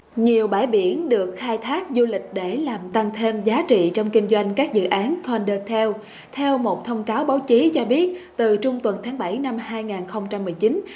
nhiều bãi biển được khai thác du lịch để làm tăng thêm giá trị trong kinh doanh các dự án con đơ theo theo một thông cáo báo chí cho biết từ trung tuần tháng bảy năm hai ngàn không trăm mười chín